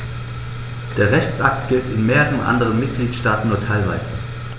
Der Rechtsakt gilt in mehreren anderen Mitgliedstaaten nur teilweise.